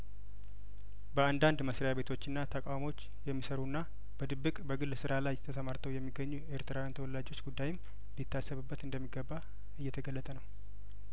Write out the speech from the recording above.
በአንዳንድ መስሪያ ቤቶችና ተቃ ሞች የሚሰሩና በድብቅ በግል ስራ ላይ ተሰማርተው የሚገኙ የኤርትራ ተወላጆች ጉዳይም ሊታሰብበት እንደሚገባ እየተገለጠ ነው